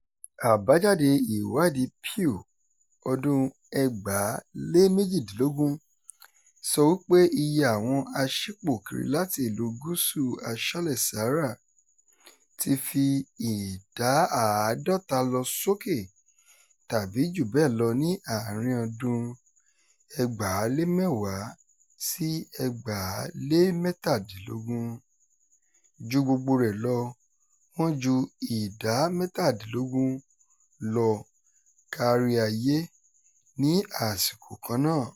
Àbájáde Ìwádìí Pew ọdún-un 2018 sọ wípé iye àwọn aṣípòkiri láti Ìlú Gúúsù Aṣálẹ̀ Sahara "ti fi ìdá 50 lọ sókè tàbí jù bẹ́ẹ̀ lọ ní àárín-in ọdún-un 2010 àti 2017, ju gbogbo rẹ̀ lọ wọn ju ìdá 17 lọ káríayé ní àsìkò kan náà".